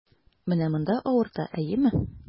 Менә монда авырта, әйеме?